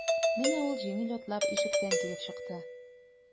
Менә ул җиңел атлап ишектән килеп чыкты.